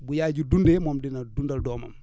bu yaay ji dundee moom dina dundal doomam